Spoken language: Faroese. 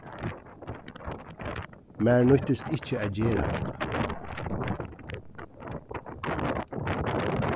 mær nýttist ikki at gera hatta